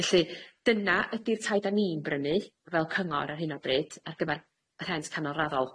Felly dyna ydi'r tai da ni'n brynu fel cyngor ar hyn o bryd ar gyfer rhent canolraddol.